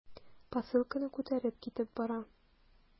Посылканы күтәреп китеп бара.